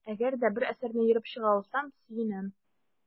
Әгәр дә бер әсәрне ерып чыга алсам, сөенәм.